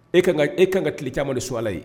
E e ka kan ka tile camanma ni so ala ye